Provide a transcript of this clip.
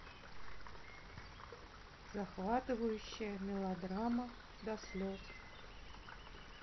захватывающая мелодрама до слез